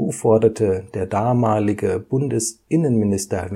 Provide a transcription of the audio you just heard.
forderte der damalige Bundesinnenminister